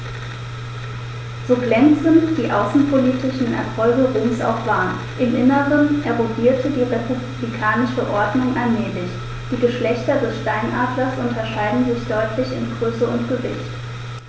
So glänzend die außenpolitischen Erfolge Roms auch waren: Im Inneren erodierte die republikanische Ordnung allmählich. Die Geschlechter des Steinadlers unterscheiden sich deutlich in Größe und Gewicht.